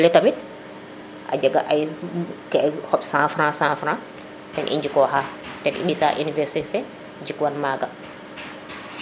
mais tamit a jega ay key xoɓ 100fr 1000fr ten i njikoxa ten i mbisa université ke fop jek wan maga